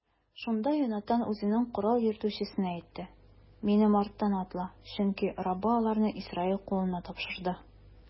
Шунда Йонатан үзенең корал йөртүчесенә әйтте: минем арттан атла, чөнки Раббы аларны Исраил кулына тапшырды.